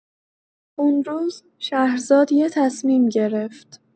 اون روز شهرزاد یه تصمیم گرفت.